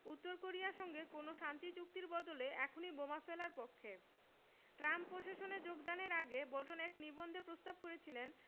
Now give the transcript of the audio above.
উত্তর কোরিয়ার সঙ্গে কোনো শান্তি চুক্তির বদলে এখনই বোমা ফেলার পক্ষে ট্রাম্প প্রশাসনে যোগদানের আগে বোল্টন এক নিবন্ধে প্রস্তাব করেছিলেন